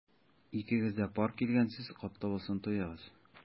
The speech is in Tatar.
Икегез дә пар килгәнсез— котлы булсын туегыз!